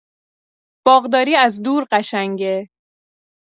باغداری از دور قشنگه.